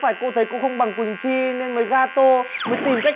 phải cô thấy cô không bằng quỳnh chi nên mới ga tô mới tìm cách